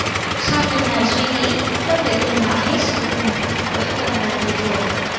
sau nhiều ngày suy nghĩ tôi quyết định nói hết sự tình với chồng và chị ruột